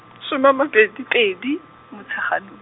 suma a mabedi pedi, Motsheganong.